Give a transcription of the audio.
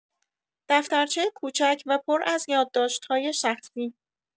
دفترچه کوچک و پر از یادداشت‌های شخصی